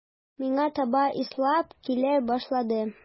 Миңа таба ыслап килә башлады.